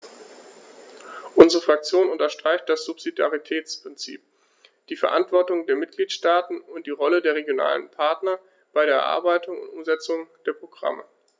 Unsere Fraktion unterstreicht das Subsidiaritätsprinzip, die Verantwortung der Mitgliedstaaten und die Rolle der regionalen Partner bei der Erarbeitung und Umsetzung der Programme.